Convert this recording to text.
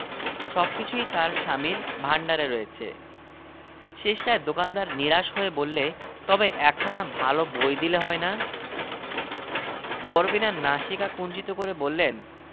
যে মানুষ পরের জিনিস গলা কেটে ফেললেও ছোঁবে না সেই লোকই দেখা যায় বইয়ের বেলায় সর্বপ্রকার বিবেক বিবর্জিত তার কারণটা কি এক আরব পণ্ডিতের লেখাতে সমস্যাটার সমাধান পেলুম